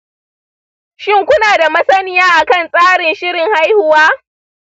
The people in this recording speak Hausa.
shin kuna da masaniya akan tsarin shirin haihuwa?